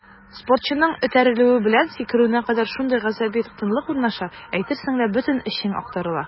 Спортчының этәрелүе белән сикерүенә кадәр шундый гасаби тынлык урнаша, әйтерсең лә бөтен эчең актарыла.